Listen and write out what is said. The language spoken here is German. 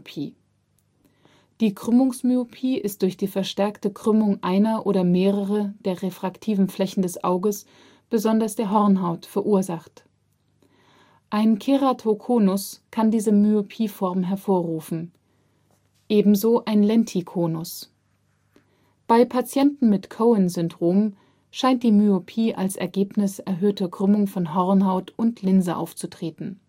Die Krümmungsmyopie ist durch die verstärkte Krümmung einer oder mehrerer der refraktiven Flächen des Auges, besonders der Hornhaut, verursacht. Ein Keratokonus kann diese Myopieform hervorrufen, ebenso ein Lentikonus. Bei Patienten mit Cohen-Syndrom scheint die Myopie als Ergebnis erhöhter Krümmung von Hornhaut und Linse aufzutreten